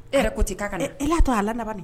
E yɛrɛ ko ten k' a ka na e i l'a to a la na bani